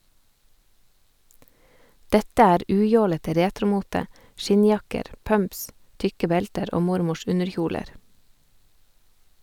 Dette er ujålete retromote , skinnjakker , pumps, tykke belter og mormors underkjoler.